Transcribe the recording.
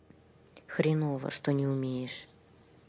хренового что не умеешь